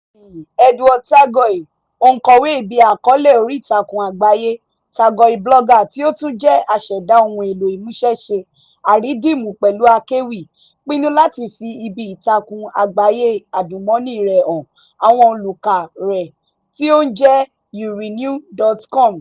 Ní ìgbẹ̀yìn, Edward Tagoe, òǹkọ̀wé ibi àkọọ́lẹ̀ oríìtakùn àgbáyé Tagoe Blogger tí ó tún jẹ́ aṣẹ̀dá ohun èlò ìmúṣẹ́ṣe àìrídìmú-pẹ̀lú-akéwì, pinnu láti fi ibi ìtakùn àgbáyé adùnmọ́ni rẹ han àwọn olùkà rẹ̀ tí ó ń jẹ́ YOURENEW.COM